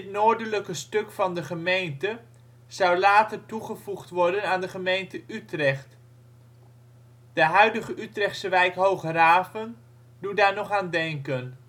noordelijke stuk van de gemeente zou later toegevoegd worden aan de gemeente Utrecht. De huidige Utrechtse wijk Hoograven doet daar nog aan denken